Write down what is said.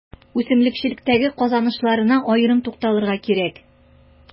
Үсемлекчелектәге казанышларына аерым тукталырга кирәк.